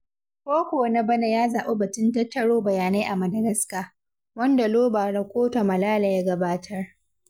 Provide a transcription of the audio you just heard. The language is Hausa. Foko na bana ya zaɓi batun '' Tattaro bayanai a Madagascar', wanda Lova Rakotomalala ya gabatar.